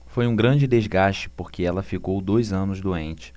foi um grande desgaste porque ela ficou dois anos doente